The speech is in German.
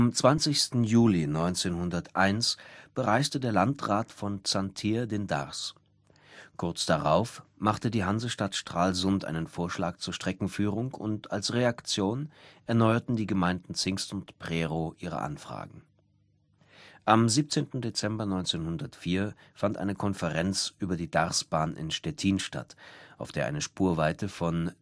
20. Juli 1901 bereiste der Landrat v. Zanthier den Darß. Kurz darauf machte die Hansestadt Stralsund einen Vorschlag zur Streckenführung und als Reaktion erneuerten die Gemeinden Zingst und Prerow ihre Anfragen. Am 17. Dezember 1904 fand eine Konferenz über die Darßbahn in Stettin statt, auf der eine Spurweite von